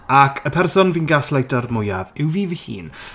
Ac y person fi'n gaslaito'r mwyaf yw fi fy hun.